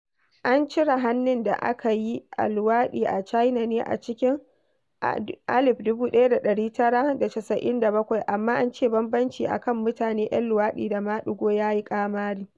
An cire hanin da aka yi a luwaɗi a China ne a cikin 1997, amma an ce bambanci a kan mutane 'yan luwaɗi da maɗigo ya yi ƙamari.